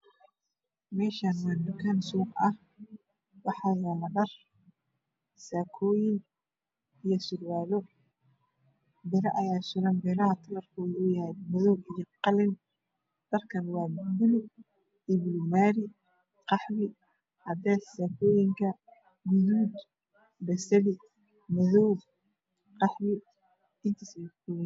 Halkan waa dukan dhar ah wax yalo dhar kalar kedo yahay dahabi iyo madow iyo cadan iyo gadud iyo qahwi iyo gadud baluug iyo besli iyo cades